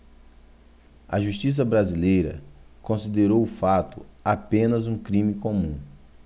a justiça brasileira considerou o fato apenas um crime comum